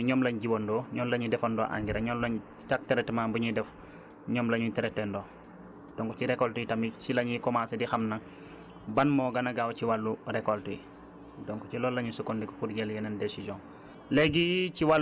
donc ci wàllu nji mi ñoom lañ jiwandoo ñoom la ñu defandoo engrais ñoom lañ chaque traitement bu ñuy def ñoom la ñuy traité donc ci récoltes yi tamit si la ñuy commencé di xam nag ban moo gën a gaaw ci wàllu récolte yi donc ci loolu la ñuy sukkandiku pour jële yeneen décisions